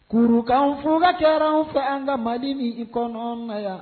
K kurukanf ka kɛ an fɛ an ka mali min i kɔnɔ na yan